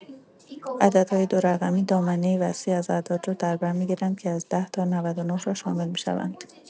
عددهای دورقمی دامنه‌ای وسیع از اعداد را در بر می‌گیرند که از ۱۰ تا ۹۹ را شامل می‌شوند.